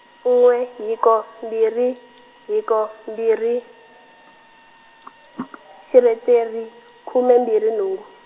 n'we hiko mbirhi, hiko, mbirhi , xi rhe teri, khume mbirhi nhungu.